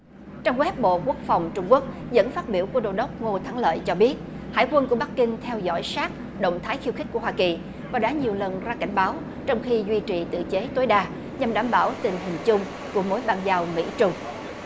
trang goép bộ quốc phòng trung quốc dẫn phát biểu của đô đốc ngô thắng lợi cho biết hải quân của bắc kinh theo dõi sát động thái khiêu khích của hoa kỳ và đã nhiều lần ra cảnh báo trong khi duy trì tự chế tối đa nhằm đảm bảo tình hình chung của mối bang giao mỹ trung